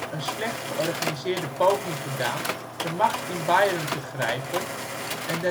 een slecht georganiseerde poging gedaan de macht in Beieren te grijpen en